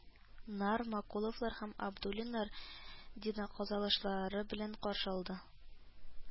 Нар, макуловлар һәм абдуллиннар динаказалышлары белән каршы ала